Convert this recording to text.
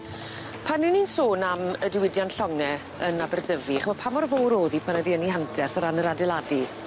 Pan 'yn i'n sôn am y diwydiant llonge yn Aberdyfi ch'mo' pa mor fowr o'dd 'i pan o'dd i yn 'i hanterth o ran yr adeladu?